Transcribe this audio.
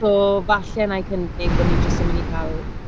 So falle wna i cynnig bod ni jyst yn mynd i cael...